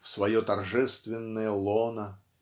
В свое торжественное лоно.